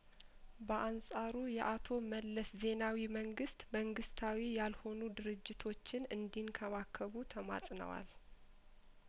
በአንጻሩ የአቶ መለስ ዜናዊ መንግስት መንግስታዊ ያልሆኑ ድርጅቶችን እንዲን ከባከቡ ተማጽ ነዋል